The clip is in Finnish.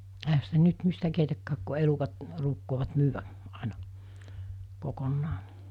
eihän sitä nyt mistä keitäkään kun elukat ruukaavat myydä aina kokonaan